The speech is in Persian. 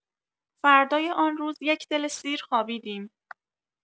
فردای آن روز یک دل سیر خوابیدیم.